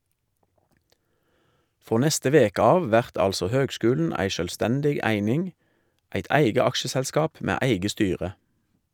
Frå neste veke av vert altså høgskulen ei sjølvstendig eining, eit eige aksjeselskap med eige styre.